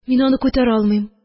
Мин аны күтәрә алмыйм